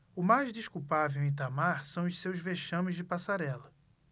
o mais desculpável em itamar são os seus vexames de passarela